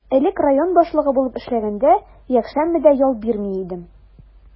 Элек район башлыгы булып эшләгәндә, якшәмбе дә ял бирми идем.